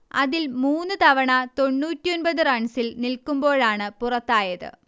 അതിൽ മൂന്ന് തവണ തൊണ്ണൂറ്റിയൊൻപത് റൺസിൽ നിൽക്കുമ്പോഴാണ് പുറത്തായത്